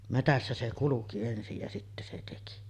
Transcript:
metsässä se kulki ensin ja sitten se teki